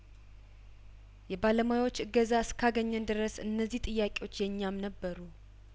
የባለሙያዎች እገዛ እስካገኘን ድረስ እነዚህ ጥያቄዎች የእኛም ነበሩ